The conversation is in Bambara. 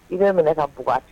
I b'a minɛ ka bugɔ